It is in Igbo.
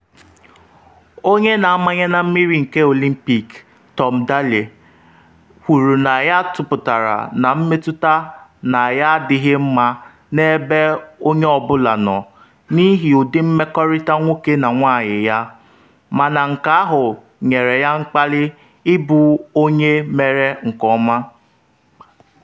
Onye na-amanye na mmiri nke Olympic Tom Daley kwuru na ya toputara na mmetụta na ya adịghị mma na-ebe onye ọ bụla nọ n’ihi ụdị mmekọrịta nwoke na nwanyị ya- mana nke ahụ nyere ya mkpali ịbụ onye mere nke ọma.